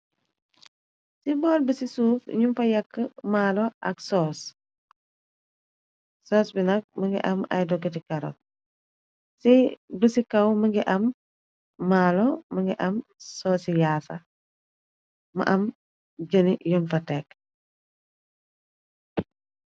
Ci bool bi ci suuf ñu fa yakke maalo ak soos bi nag më ngi am ay dokiti karot c bu ci kaw më ngi am maalo më ngi am soo ci yaasa mu am jëni yun fa tekk.